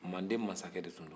manden mansakɛ de tun don